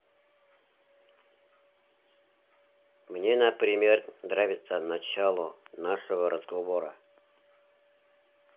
мне например нравится начало нашего разговора